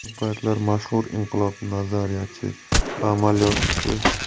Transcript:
bir paytlar mashhur inqilob nazariyachi va amaliyotchisi